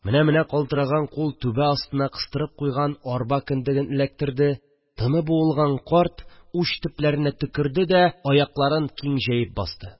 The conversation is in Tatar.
Менә-менә калтыраган кул түбә астына кыстырып куйган арба кендеген эләктерде, тыны буылган карт уч төпләренә төкерде дә, аякларын киң җәеп басты